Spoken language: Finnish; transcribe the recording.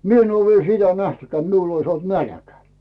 minä en ole vielä sitä nähnytkään että minulla olisi nälkä